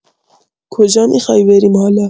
کجا می‌خوای بریم حالا؟